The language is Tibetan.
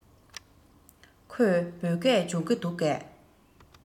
ཁོས བོད སྐད སྦྱོང གི འདུག གས